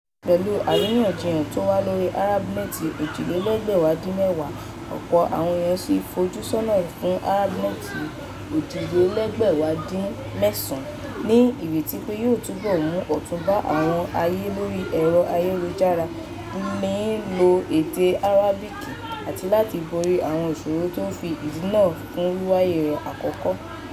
Pẹ̀lu àríyànjiyàn tó wà lórí ArabNet 2010, ọ̀pọ̀ àwọn eèyàn ṣì ń fojúsọ́nà fún ArabNet 2011 ní ìrètí pé yóò túbọ̀ mú ọ̀tun bá àwọn aàyè lórí ẹ̀rọ ayélujárató ń lo èdè Arabic àti láti borí àwọn ìṣòro tó fa ìdínà fún wíwáyé rẹ̀ àkọ́kọ́.